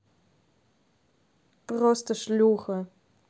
просто шлюха